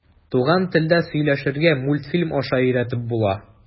Туган телдә сөйләшергә мультфильм аша өйрәтеп була.